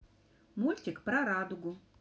мультик про радугу